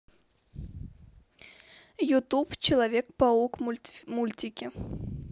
ютуб человек паук мультики